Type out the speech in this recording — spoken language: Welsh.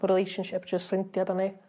relationship jys ffrindia 'dan ni.